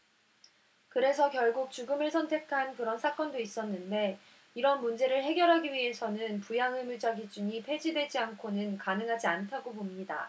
그래서 결국 죽음을 선택한 그런 사건도 있었는데 이런 문제를 해결하기 위해서는 부양의무자 기준이 폐지되지 않고는 가능하지 않다고 봅니다